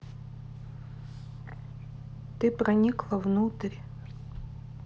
ты проникла внутрь